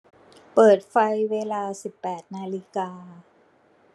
เปิดไฟเวลาสิบแปดนาฬิกา